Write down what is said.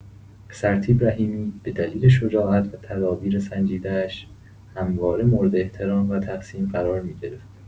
سرتیپ رحیمی به دلیل شجاعت و تدابیر سنجیده‌اش همواره مورد احترام و تحسین قرار می‌گرفت.